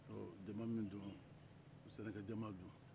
ɔ jama min don sɛnɛkɛ jama don